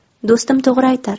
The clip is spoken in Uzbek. do'stim to'g'ri aytardi